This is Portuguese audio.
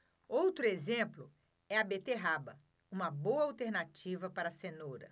outro exemplo é a beterraba uma boa alternativa para a cenoura